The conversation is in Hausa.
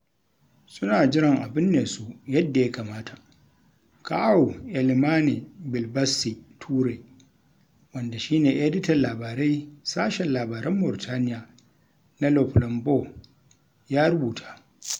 suna jiran a binne su yadda ya kamata" Kaaw Elimane Bilbassi Toure wanda shi ne editan labarai sashen Labaran Mauritaniya na Le Flambeau, ya rubuta.